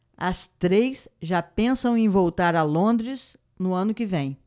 as três já pensam em voltar a londres no ano que vem